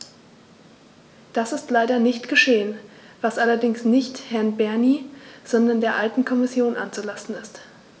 Das ist leider nicht geschehen, was allerdings nicht Herrn Bernie, sondern der alten Kommission anzulasten ist.